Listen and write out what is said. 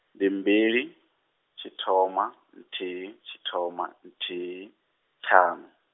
ndi mbili, tshithoma, nthihi, tshithoma, nthihi, ṱhanu.